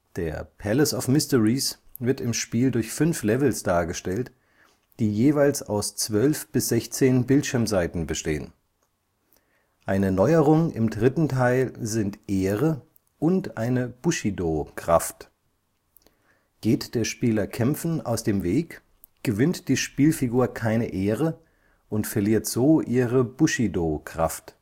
Der „ Palace of Mysteries “wird im Spiel durch fünf Levels dargestellt, die jeweils aus zwölf bis 16 Bildschirmseiten bestehen. Eine Neuerung im dritten Teil sind Ehre und eine „ Bushido “- Kraft. Geht der Spieler Kämpfen aus dem Weg, gewinnt die Spielfigur keine Ehre und verliert so ihre Bushido-Kraft